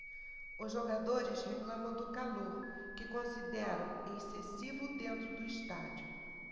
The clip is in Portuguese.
os jogadores reclamam do calor que consideram excessivo dentro do estádio